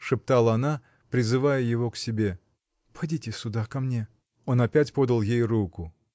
— шептала она, призывая его к себе. — Подите сюда, ко мне. Он опять подал ей руку.